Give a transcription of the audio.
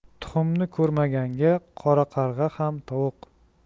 txixumni ko'rmaganga qoraqarg'a ham tovuq